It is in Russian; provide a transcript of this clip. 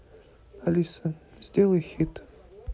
алиса сделай хит